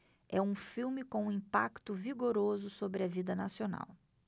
é um filme com um impacto vigoroso sobre a vida nacional